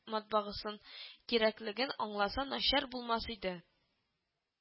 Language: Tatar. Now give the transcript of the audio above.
Матбагасын кирәклеген аңласа, начар булмас иде